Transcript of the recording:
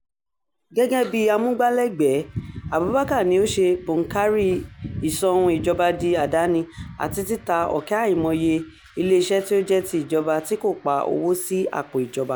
Gẹ́gẹ́ bí amúgbálẹ́gbẹ̀ẹ́, Abubakar ni ó ṣe bònkárí ìsọhun-ìjọba-di-àdáni àti títa ọ̀kẹ́ àìmọye ilé iṣẹ́ tí ó jẹ́ ti ìjọba tí kò pa owó sí àpò ìjọba.